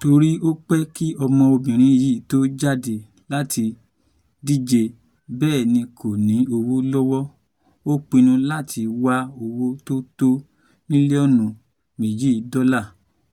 Torí ó pẹ́ kí ọmọbìnrin yìí tó jaHde láti díje, bẹ́ẹ̀ ni kò ní owó lọwọ́, ó pinnu láti wáwó tó tó mílíọnu 2 dọ́là